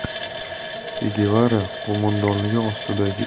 che gevara qo'mondonligi ostidagi